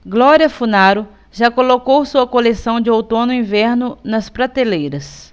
glória funaro já colocou sua coleção de outono-inverno nas prateleiras